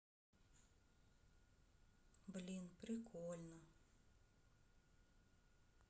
блин прикольно